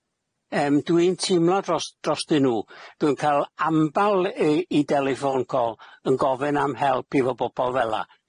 Yym dwi'n teimlo dros- drostyn nw. Dwi'n ca'l ambal i i deliffon call yn gofyn am help efo bobol fela